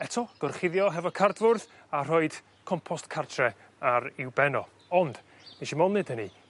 eto gorchuddio hefo cardfwrdd a rhoid compost cartre ar i'w ben o, ond nesh i mon' neud hynny